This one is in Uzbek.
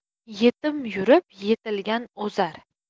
yetim yurib yetilgan o'zar